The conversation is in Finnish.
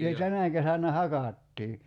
niin tänä kesänä hakattiin